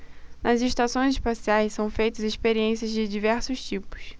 nas estações espaciais são feitas experiências de diversos tipos